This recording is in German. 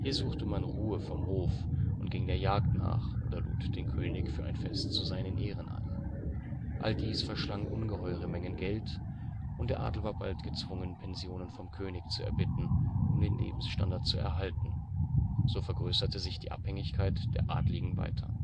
suchte man Ruhe vom Hof und ging der Jagd nach, oder lud den König für ein Fest zu seinen Ehren ein. All dies verschlang ungeheure Mengen Geld und der Adel war bald gezwungen Pensionen vom König zu erbitten, um den Lebensstandard zu erhalten. So vergrößerte sich die Abhängigkeit der Adeligen weiter